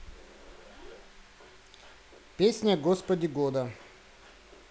песня господи года